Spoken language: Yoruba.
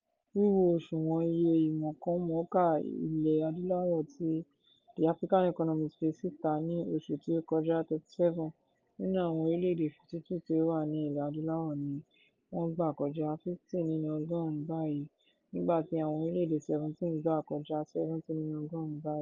Wíwo òṣùwọ̀n iye ìmọ̀ọ́kọmọ̀ọ́kà ilẹ̀ Adúláwò tí The African Economist fi síta ní oṣù tí ó kọjá, 37 nínú àwọn orílẹ̀ èdè 52 tí ó wà ní Ilẹ̀ Adúláwò ní wọ́n gbà kọjá 50 nínú ọgọ́rùn-ún báyìí, nígbà tí àwọn orílẹ̀ èdè 17 gbà kọjá 70 nínú ọgọ́rùn-ún báyìí.